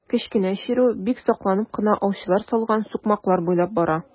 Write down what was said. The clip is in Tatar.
Кечкенә чирү бик сакланып кына аучылар салган сукмаклар буйлап бара.